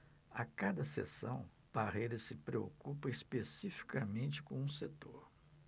a cada sessão parreira se preocupa especificamente com um setor